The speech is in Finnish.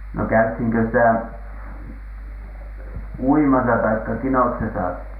no käytiinkö sitä uimassa tai kinoksessa